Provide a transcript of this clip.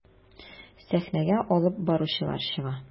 Сәхнәгә алып баручылар чыга.